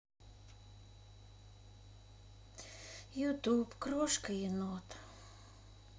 ютуб крошка енот